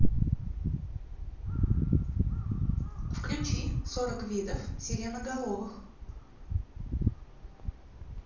включи сорок видов сиреноголовых